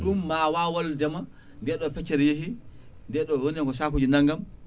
ɗum ma waw walludema ndeɗo feccere yeehi ndeɗo woni hen ko sakuji nangam